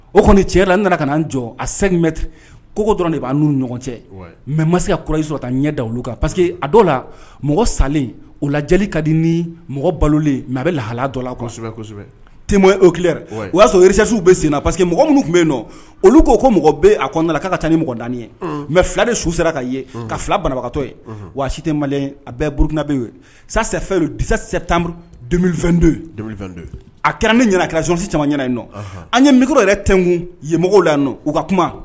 O kɔni cɛla nana ka jɔ a seme kogo dɔrɔn de b'a n' ɲɔgɔn cɛ mɛ ma se ka kɔrɔ sɔrɔta ɲɛ da olu kan parce que a dɔw la mɔgɔ salen o lajɛ ka di ni mɔgɔ balolen mɛ a bɛ lahala dɔ lasɛbɛsɛbɛ temo o ki o y' sɔrɔ iricsiw bɛ sen na parce que mɔgɔ minnu tun bɛ yenɔ olu ko ko mɔgɔ bɛ a ko n nana k'a ka taa ni mɔgɔd ye mɛ fila de su sera ka ye ka fila banabagatɔ ye waati tɛ ma a bɛɛ burukinabe ye safɛn disɛ tanmurudo a kɛra ni ɲɛna kɛrasi caman ɲɛna in nɔ an ye mi yɛrɛ tɛkun ye mɔgɔw la nɔ u ka kuma